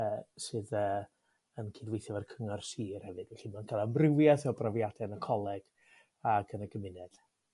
Yrr sydd yrr yn cydweithio 'fo'r cyngor sir hefyd felly ma'n ca'l amrywi'eth o brofiadau'n y coleg ac yn y gymuned.